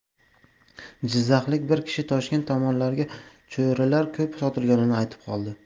jizzaxlik bir kishi toshkent tomonlarga cho'rilar ko'p sotilganini aytib qoldi